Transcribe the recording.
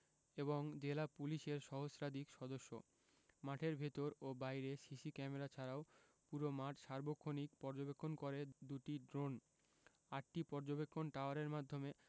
এবং জেলা পুলিশের সহস্রাধিক সদস্য মাঠের ভেতর ও বাইরে সিসি ক্যামেরা ছাড়াও পুরো মাঠ সার্বক্ষণিক পর্যবেক্ষণ করে দুটি ড্রোন আটটি পর্যবেক্ষণ টাওয়ারের মাধ্যমে